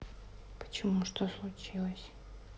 почему что случилось